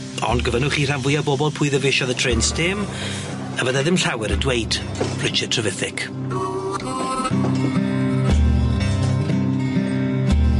Ond gofynnwch chi rhan fwya o bobol pwy ddyfeisiodd y trên sdêm a fydde ddim llawer yn dweud Richard Trevithick.